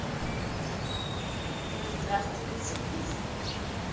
да здравствует сюрприз